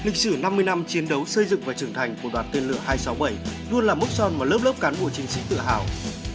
lịch sử năm mươi năm chiến đấu xây dựng và trưởng thành của đoàn tên lửa hai sáu bảy luôn là mức sơn một lớp lớp cán bộ chiến sĩ tự hào